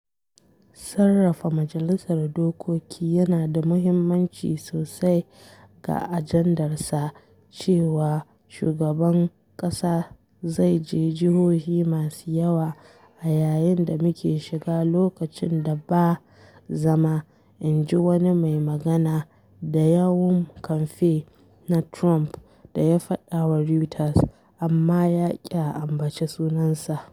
“Sarrafa Majalisar Dokoki yana da muhimmanci sosai ga ajandarsa cewa shugaban ƙasa zai je jihohi masu yawa a yayin da muke shiga lokacin da ba zama,” inji wani mai magana da yawun kamfe na Trump da ya faɗa wa Reuters amma ya ki a ambaci sunansa.